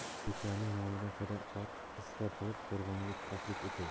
beklarning nomidan sadoqat izhor qilib qo'rg'onga taklif etay